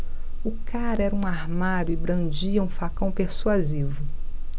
o cara era um armário e brandia um facão persuasivo